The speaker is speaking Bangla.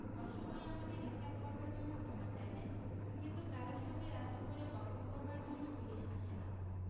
অসময়ে আমাকে ডিসটার্ব করবার জন্য ক্ষমা চাইলেন কিন্তু কারো সঙ্গে রাত দুপুরে গপ্পো করবার জন্য পুলিশ আসে না